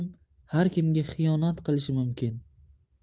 kimga xiyonat qilishi mumkin